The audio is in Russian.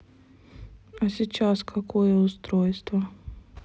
а сейчас какое устройство